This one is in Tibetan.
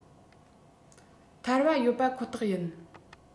ཐལ བ ཡོད པ ཁོ ཐག ཡིན